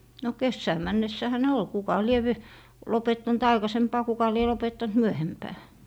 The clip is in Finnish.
no kesään mennessähän ne oli kuka lie - lopettanut aikaisempaan kuka lie lopettanut myöhempään